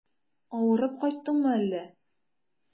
Авырып кайттыңмы әллә?